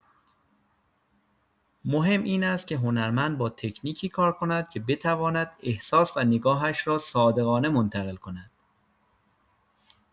مهم این است که هنرمند با تکنیکی کار کند که بتواند احساس و نگاهش را صادقانه منتقل کند.